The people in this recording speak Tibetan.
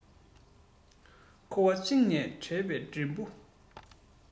ཀོ བ གཅིག ནས དྲས པའི རྒྱུན བུ